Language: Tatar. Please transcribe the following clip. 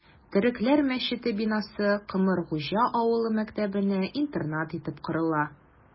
Төрекләр мәчете бинасы Комыргуҗа авылы мәктәбенә интернат итеп корыла...